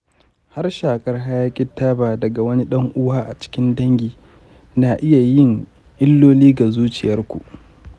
har shaƙar hayaƙi taba daga wani ɗan-uwa a cikin dangi na iya yin illoli ga zuciyar ku